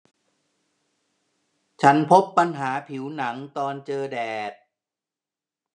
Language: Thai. ฉันพบปัญหาผิวหนังตอนเจอแดด